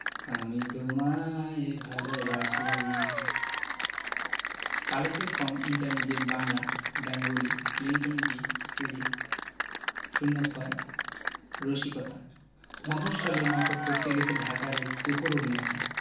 আমি তোমায় ভালবাসি collected from intermediate Bangla Bengali Clinton B silly ০৬ রসিকতা মফশ্বলে নাটক করতে গেছে ঢাকার এক তুখোর অভিনেতা